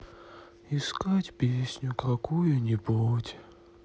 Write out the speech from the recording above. искать песню какую нибудь